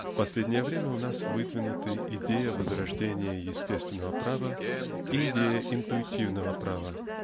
В последнее время у нас выдвинуты идея возрождения естественного права и идея интуитивного права.